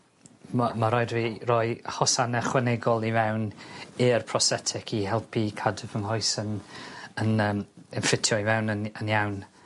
ma' ma' raid fi roi hosane ychwanegol i mewn i'r prosetic i helpu cadw fy nghoes yn yn yym yn ffitio i fewn yn yn iawn.